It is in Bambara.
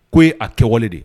K'o ye a kɛwale de ye!